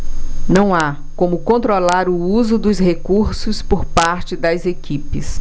não há como controlar o uso dos recursos por parte das equipes